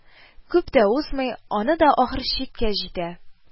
Күп тә узмый, ана да ахыр чиккә җитә